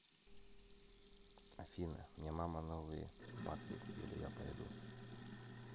афина мне мама новые патрик или я пойду